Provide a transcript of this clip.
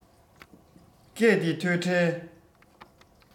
སྐད དེ ཐོས འཕྲལ